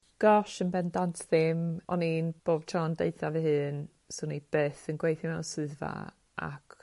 Gosh yn bendant ddim oni'n bob tro'n deutha fy hun swni byth yn gweithio mewn swyddfa ac